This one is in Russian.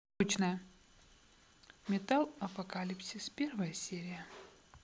металл апокалипсис первая серия